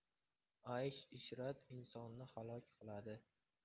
aysh ishrat insonni halok qiladi